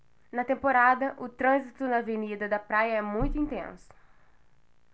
na temporada o trânsito na avenida da praia é muito intenso